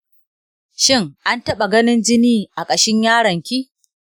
shin an taɓa ganin jini a kashin yaron ki?